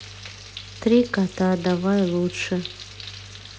три кота давай лучше